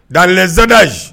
Ga sadaji